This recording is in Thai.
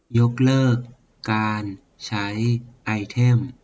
ยกเลิกการใช้ไอเทม